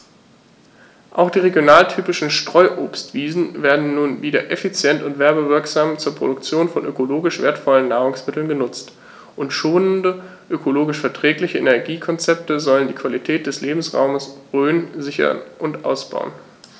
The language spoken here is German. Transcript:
Auch die regionaltypischen Streuobstwiesen werden nun wieder effizient und werbewirksam zur Produktion von ökologisch wertvollen Nahrungsmitteln genutzt, und schonende, ökologisch verträgliche Energiekonzepte sollen die Qualität des Lebensraumes Rhön sichern und ausbauen.